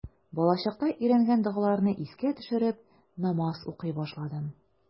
Балачакта өйрәнгән догаларны искә төшереп, намаз укый башладым.